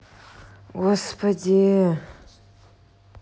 господи